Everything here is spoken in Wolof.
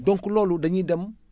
donc loolu daénuy dem